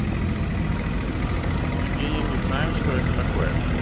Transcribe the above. где я не знаю что это такое